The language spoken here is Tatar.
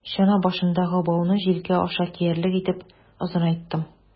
Чана башындагы бауны җилкә аша киярлек итеп озынайттым.